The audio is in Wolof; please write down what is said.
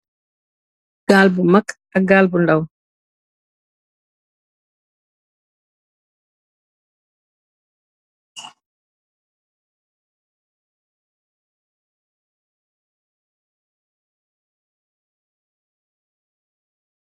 Gaal bi Mac ak gaal bu ndaw.